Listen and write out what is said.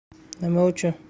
nima uchun